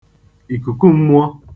ìkùkum̄mụ̄ọ̄